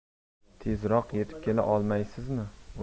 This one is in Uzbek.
tezroq yetib kela olmaysizmi